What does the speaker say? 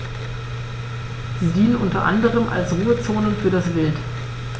Sie dienen unter anderem als Ruhezonen für das Wild.